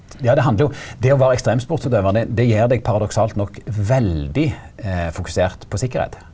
ja det handlar jo det å vere ekstremsportsutøvar det det gjer deg paradoksalt nok veldig fokusert på sikkerheit.